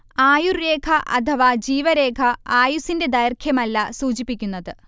ആയുർരേഖ അഥവാ ജീവരേഖ ആയുസ്സിന്റെ ദൈർഘ്യമല്ല സൂചിപ്പിക്കുന്നത്